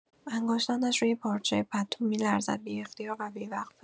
انگشتانش روی پارچۀ پتو می‌لرزد، بی‌اختیار و بی‌وقفه.